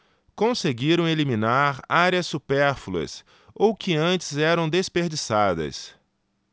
conseguiram eliminar áreas supérfluas ou que antes eram desperdiçadas